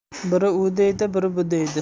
biri u deydi biri bu deydi